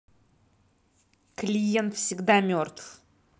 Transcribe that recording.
клиент всегда мертв